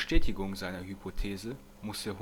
Bestätigung seiner Hypothese musste